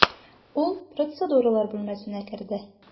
Ул процедуралар бүлмәсенә керде.